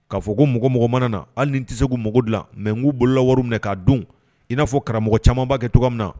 K'a fɔ ko mɔgɔ mɔgɔ mana na hali ni n tɛ se k'u maku dilan mais nb'u bolola wari minɛ k'a dun in n'afɔ karamɔgɔ caman b'a kɛ cogoya min na.